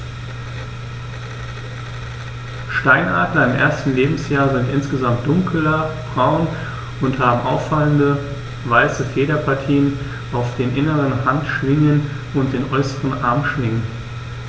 Steinadler im ersten Lebensjahr sind insgesamt dunkler braun und haben auffallende, weiße Federpartien auf den inneren Handschwingen und den äußeren Armschwingen.